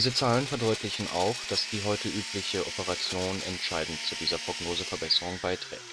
Zahlen verdeutlichen auch, dass die heute übliche Operation entscheidend zu dieser Prognoseverbesserung beiträgt